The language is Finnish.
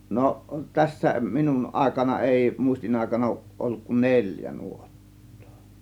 no tässä minun aikana ei muistinaikana ole ollut kuin neljä nuottaa